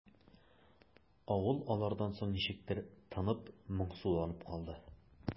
Авыл алардан соң ничектер тынып, моңсуланып калды.